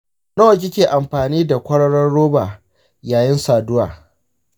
sau nawa kike amfani da kwaroron roba yayin saduwa?